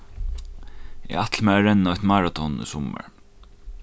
eg ætli mær at renna eitt maraton í summar